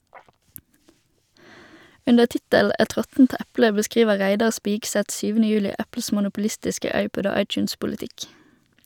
Under tittelen "Et råttent eple" beskriver Reidar Spigseth 7. juli Apples monopolistiske iPod- og iTunes-politikk.